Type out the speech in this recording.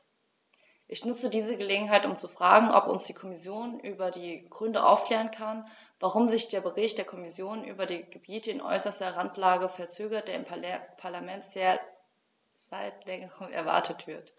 Ich nutze diese Gelegenheit, um zu fragen, ob uns die Kommission über die Gründe aufklären kann, warum sich der Bericht der Kommission über die Gebiete in äußerster Randlage verzögert, der im Parlament seit längerem erwartet wird.